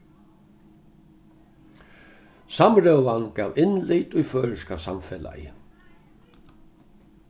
samrøðan gav innlit í føroyska samfelagið